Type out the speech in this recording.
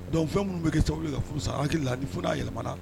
Dɔnku fɛn minnu bɛ kɛ sababu ka furu san an hakilil la ni fo'a yɛlɛmamana